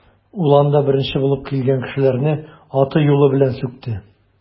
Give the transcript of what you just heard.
Ул анда беренче булып килгән кешеләрне аты-юлы белән сүкте.